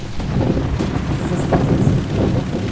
возможности зум